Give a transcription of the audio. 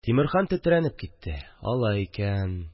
Тимерхан тетрәнеп китте. Алай икән